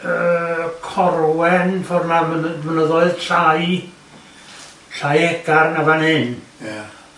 yy Corwen ffor 'na myny- mynyddoedd llai llai egar na fan 'yn... Ia